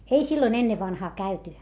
ei silloin ennen vanhaan käyty